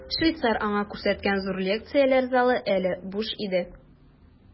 Швейцар аңа күрсәткән зур лекцияләр залы әле буш иде.